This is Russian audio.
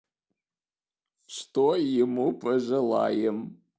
что ему пожелаем